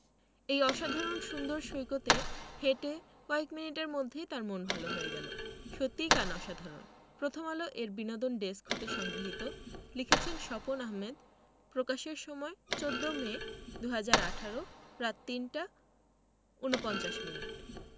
এই অসাধারণ সুন্দর সৈকতে হেঁটে কয়েক মিনিটের মধ্যেই তার মন ভালো হয়ে গেল সত্যিই কান অসাধারণ প্রথমআলো এর বিনোদন ডেস্ক হতে সংগৃহীত লিখেছেনঃ স্বপন আহমেদ প্রকাশের সময় ১৪মে ২০১৮ রাত ৩টা ৪৯ মিনিট